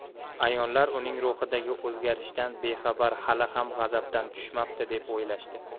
ayonlar uning ruhidagi o'zgarishdan bexabar hali ham g'azabdan tushmabdi deb o'ylashdi